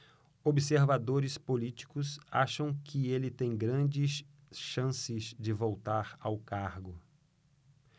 observadores políticos acham que ele tem grandes chances de voltar ao cargo